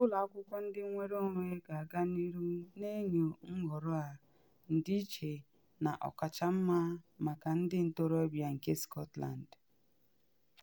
Ụlọ akwụkwọ ndị nnwere onwe ga-aga n’ihu na enye nhọrọ a, ndịiche na ọkachamma maka ndị ntorobịa nke Scotland.